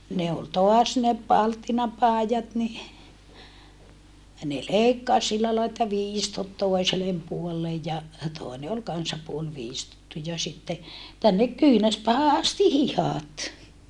ne oli taas ne palttinapaidat niin ne leikkasi sillä lailla että viistot toiselle puolelle ja toinen oli kanssa puoli viistottu ja sitten tänne kyynärpäähän asti hihat